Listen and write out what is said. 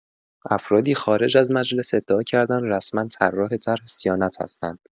افرادی خارج از مجلس ادعا کردند رسما طراح طرح صیانت هستند.